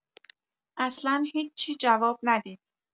اصلا هیچی جواب ندید.